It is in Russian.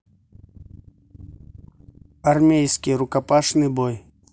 армейский рукопашный бой